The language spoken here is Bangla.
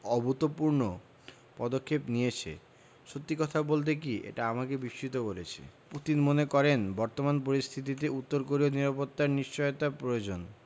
অভূতপূর্ণ পদক্ষেপ নিয়েছে সত্যি কথা বলতে কি এটা আমাকে বিস্মিত করেছে পুতিন মনে করেন বর্তমান পরিস্থিতিতে উত্তর কোরিয়ার নিরাপত্তার নিশ্চয়তা প্রয়োজন